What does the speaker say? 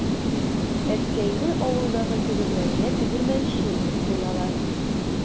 Әткәйне авылдагы тегермәнгә тегермәнче итеп куялар.